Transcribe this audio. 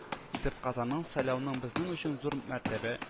Итеп казанның сәләуның безнең өчен зур мәртәбә